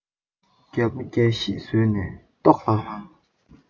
རྒྱལ པོ རྒྱལ གཞིས ཟོས ནས ལྟོགས ལྷང ལྷང